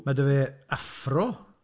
Mae 'da fe afro.